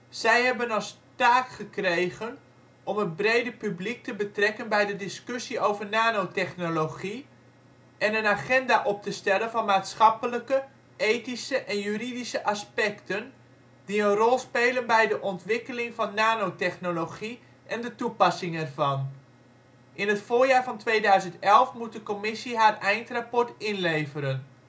Ze hebben als taak gekregen om het brede publiek te betrekken bij de discussie over nanotechnologie en een agenda op te stellen van maatschappelijke, ethische en juridische aspecten die een rol spelen bij de ontwikkeling van nanotechnologie en de toepassing ervan. In het voorjaar van 2011 moet de Commissie haar eindrapport inleveren